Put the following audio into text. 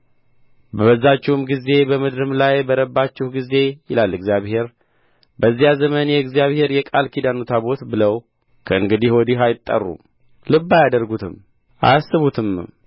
በበዛችሁም ጊዜ በምድርም ላይ በረባችሁ ጊዜ ይላል እግዚአብሔር በዚያ ዘመን የእግዚአብሔር የቃል ኪዳኑ ታቦት ብለው ከእንግዲህ ወዲህ አይጠሩም ልብ አያደርጉትም አያስቡትምም